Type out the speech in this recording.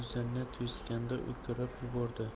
yuzini to'sgancha o'kirib yubordi